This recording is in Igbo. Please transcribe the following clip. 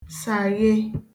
sàghe